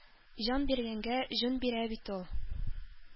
Җан биргәнгә җүн бирә бит ул.